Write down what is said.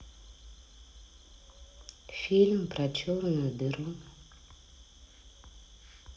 фильм про черную дыру